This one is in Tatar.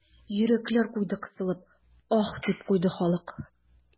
Йөрәкләр куйды кысылып, аһ, дип куйды халык.